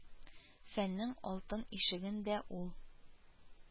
Фәннең алтын ишеген дә ул